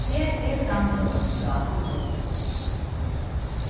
her er framløgan frá í morgun